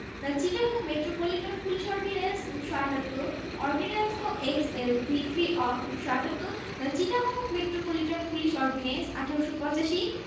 The Chittagong metropolitan police ordinance ১৯৭৮ ordinance. নং X L V three of ১৯৭৮ the Chittagong metropolitan police ordinance ১৯৮৫